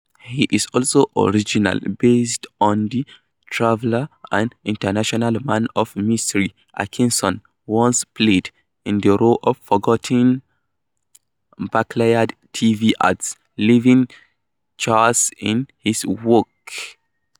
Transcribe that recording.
He's also originally based on the traveler and international man of mystery Atkinson once played in the now forgotten Barclaycard TV ads, leaving chaos in his wake.